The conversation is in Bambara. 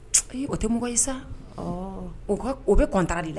O tɛ mɔgɔ ye sa o bɛ kɔnta de la